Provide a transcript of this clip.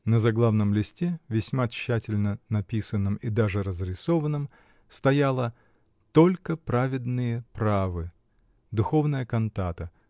На заглавном листе, весьма тщательно написанном и даже разрисованном, стояло: "Только праведные правы. Духовная кантата.